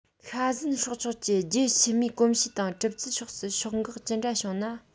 ཤ ཟན སྲོག ཆགས ཀྱི རྒྱུད ཕྱི མའི གོམས གཤིས དང གྲུབ ཚུལ ཕྱོགས སུ ཕྱོགས འགག ཅི འདྲ བྱུང ན